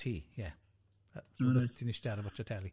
Ti'n eistedd ar y botia' teli.